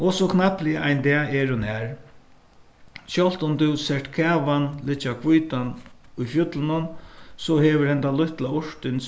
og so knappliga ein dag er hon har sjálvt um tú sært kavan liggja hvítan í fjøllunum so hevur henda lítla urtin